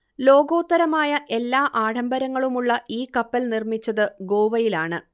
ലോകോത്തരമായ എല്ലാ ആഡംബരങ്ങളുമുള്ള ഈ കപ്പൽ നിർമ്മിച്ചത് ഗോവയിലാണ്